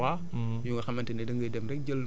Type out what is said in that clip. am na lu ñu naan compostage à froid